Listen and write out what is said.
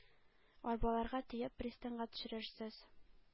Арбаларга төяп пристаньга төшерерсез.